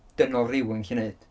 dynol ryw yn gallu wneud.